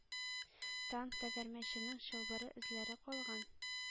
Танк тәгәрмәченең чылбыры эзләре калган